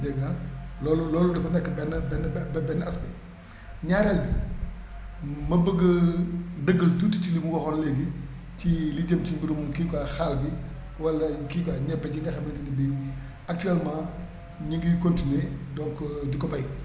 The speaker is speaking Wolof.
dégg nga ah loolu loolu dafa nekk benn benn benn aspect ñaareel bi ma bëgg dëggal tuuti ci li mu waxoon léegi ci li jëm ci mbirum kii quoi xaal bi wala kii quoi ñebe ji nga xamante ne nii actuellement ñu ngi continuer donc di ko bay